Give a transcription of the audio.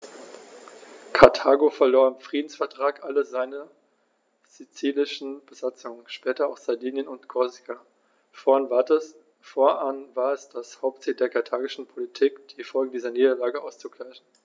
Karthago verlor im Friedensvertrag alle seine sizilischen Besitzungen (später auch Sardinien und Korsika); fortan war es das Hauptziel der karthagischen Politik, die Folgen dieser Niederlage auszugleichen.